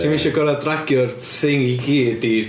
Ti'm isio gorfod dragio'r thing i gyd i...